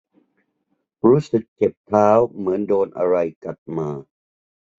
รู้สึกเจ็บเท้าเหมือนโดนอะไรกัดมา